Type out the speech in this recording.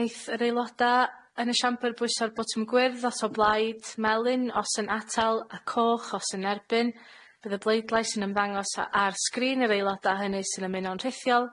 Neith yr aeloda' yn y siambr bwyso ar botwm gwyrdd os o blaid, melyn os yn atal, a coch os yn erbyn. Fydd y bleidlais yn ymddangos a- ar sgrin i'r aeloda' hynny sy'n ymuno'n rhithiol.